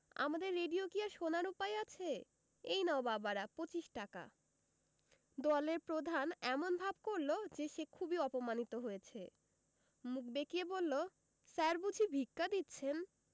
‘আমাদের রেডিও কি আর শোনার উপায় আছে এই নাও বাবার পঁচিশ টাকা দলের প্রধান এমন ভাব করল যে সে খুবই অপমানিত হয়েছে মুখ বেঁকিয়ে বলল স্যার বুঝি ভিক্ষা দিচ্ছেন